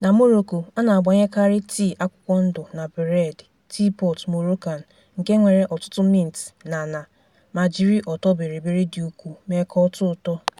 Na Morocco, a na-agbanyekarị tii akwụkwọ ndụ na berrad (Teapot Moroccan) nke nwere ọtụtụ mịnt (na'na') ma jiri ọtọbịrịbịrị dị ukwuu mee ka ọ tọọ ụtọ.